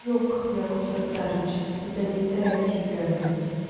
Юк, Якуб Саттарич, без әле иртәрәк сөенгәнбез